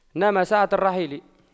نام ساعة الرحيل